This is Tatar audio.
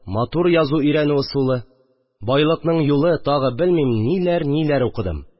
Матур язу өйрәнү ысулы, байлыкның юлы, тагы, белмим, ниләр-ниләр укыдым